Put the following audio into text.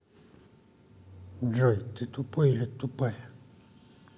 джой ты тупой или тупая